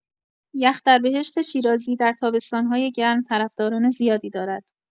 یخ در بهشت شیرازی در تابستان‌های گرم طرفداران زیادی دارد.